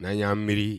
Nan y'a miiri